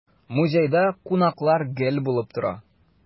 Музейда кунаклар гел булып тора.